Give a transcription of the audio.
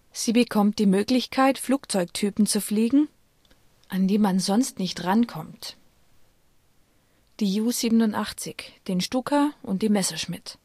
Sie bekommt die Möglichkeit, Flugzeugtypen zu fliegen, " an die man sonst nicht rankommt ": die JU87, den Stuka und die Messerschmitt